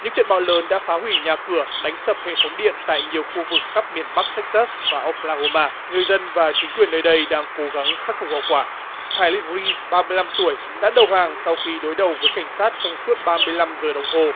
những trận bão lớn đã phá hủy nhà cửa đánh sập hệ thống điện tại nhiều khu vực khắp miền bắc tếc sớt và ô cờ la ô ma người dân và chính quyền nơi đây đang cố gắng khắc phục hậu quả thai rít ba mươi lăm tuổi đã đầu hàng sau khi đối đầu với cảnh sát trong suốt ba mươi lăm giờ đồng hồ